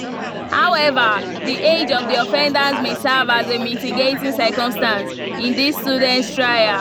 However, the age of the offenders may serve as a “mitigating circumstance” in these students’ trial.